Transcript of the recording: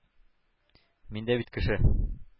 Мин дә бит кеше,